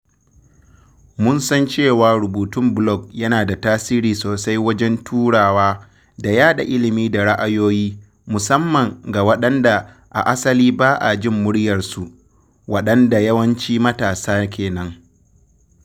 Mun san cewa rubutun blog yana da tasiri sosai wajen turawa da yaɗa ilimi da ra’ayoyi, musamman ga waɗanda a asali ba a jin “muryarsu”—waɗanda yawanci matasa kenan.